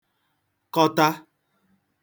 kọta